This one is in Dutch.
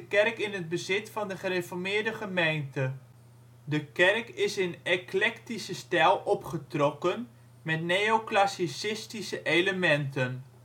kerk in het bezit van de Gereformeerde Gemeente. De kerk is in eclectische stijl opgetrokken met neoclassicistische elementen